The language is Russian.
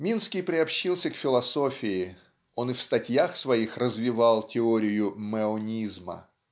Минский приобщился к философии (он и в статьях своих развивал теорию мэонизма).